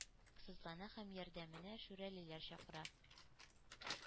Сызлана һәм ярдәменә шүрәлеләр чакыра.